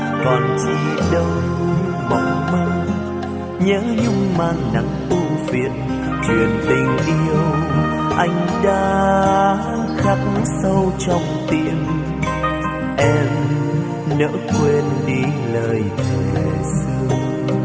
còn gì đâu mộng mơ nhớ nhung mang nặng ưu phiền chuyện tình yêu anh đã khắc sâu trong tim em lỡ quên đi lời thề xưa